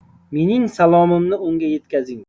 mening salomimni unga yetkazing